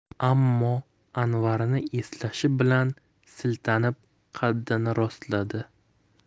ammo anvarni eslashi bilan siltanib qaddini rostladi